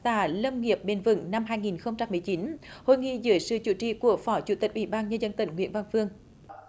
xã lâm nghiệp bền vững năm hai nghìn không trăm mười chín hội nghị dưới sự chủ trì của phó chủ tịch ủy ban nhân dân tỉnh nguyễn văn phương